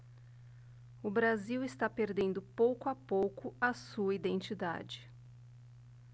o brasil está perdendo pouco a pouco a sua identidade